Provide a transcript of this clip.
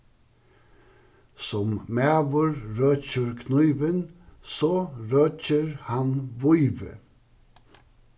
sum maður røkir knívin so røkir hann vívið